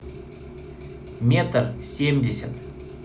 метр семьдесят